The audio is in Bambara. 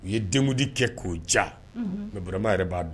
U ye denkundi kɛ k'o diya, nuhun, mais Burama yɛrɛ b'a